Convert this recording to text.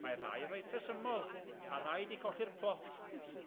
Mai rhai reit resymol, a rhai 'di colli'r plot